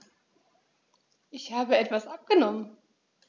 Ich habe etwas abgenommen.